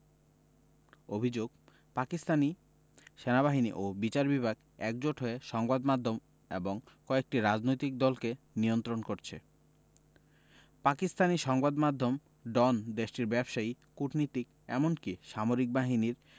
অভিযোগ পাকিস্তানি সেনাবাহিনী ও বিচার বিভাগ একজোট হয়ে সংবাদ মাধ্যম এবং কয়েকটি রাজনৈতিক দলকে নিয়ন্ত্রণ করছে পাকিস্তানি সংবাদ মাধ্যম ডন দেশটির ব্যবসায়ী কূটনীতিক এমনকি সামরিক বাহিনীর